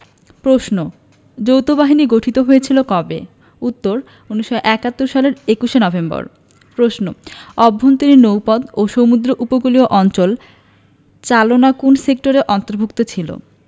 প্রশ্ন যৌথবাহিনী গঠিত হয়েছিল কবে উত্তর ১৯৭১ সালের ২১ নভেম্বর প্রশ্ন আভ্যন্তরীণ নৌপথ ও সমুদ্র উপকূলীয় অঞ্চল চালনা কোন সেক্টরের অন্তভু র্ক্ত ছিল